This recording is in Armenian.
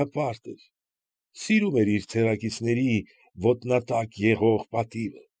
Հպարտ էր, սիրում էր իր ցեղակիցների ոտնատակ եղող պատիվը։